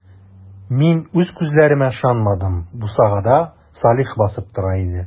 Мин үз күзләремә ышанмадым - бусагада Салих басып тора иде.